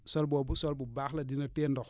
sol boobu sol bu baax la dina téye ndox